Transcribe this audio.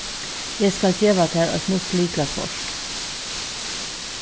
eg skal geva tær eitt nýtt lyklakort